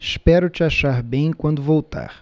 espero te achar bem quando voltar